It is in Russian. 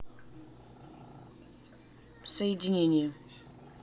соединение